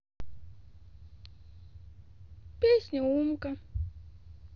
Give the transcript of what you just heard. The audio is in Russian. песня умка